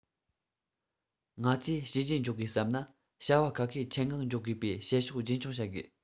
ང ཚོས བྱས རྗེས འཇོག དགོས བསམས ན བྱ བ ཁ ཤས ཆེད མངགས འཇོག དགོས པའི བྱེད ཕྱོགས རྒྱུན འཁྱོངས བྱ དགོས